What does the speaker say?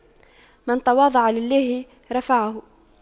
من تواضع لله رفعه